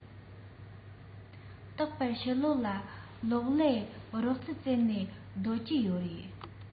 རྟག པར ཕྱི ལོག ལ གློག ཀླད རོལ རྩེད རྩེད ནས སྡོད ཀྱི ཡོད རེད